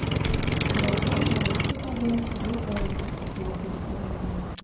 Бераздан баянчы табылып, җыр баянга кушылып башкарылды.